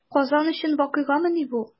Казан өчен вакыйгамыни бу?